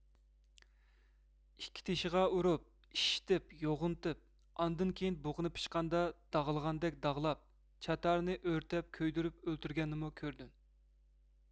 ئىككى تېشىغا ئۇرۇپ ئىششىتىپ يوغىنىتىپ ئاندىن كېيىن بۇقىنى پىچقاندا داغلىغاندەك داغلاپ چاتارىنى ئۆرتەپ كۆيدۈرۈپ ئۆلتۈرگەننىمۇ كۆردۈم